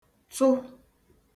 tụ